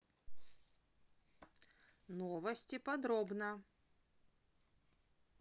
новости подробно